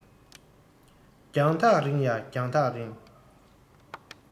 རྒྱང ཐག རིང ཡ རྒྱང ཐག རིང